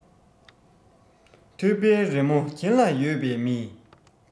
ཐོད པའི རི མོ གྱེན ལ ཡོད པའི མི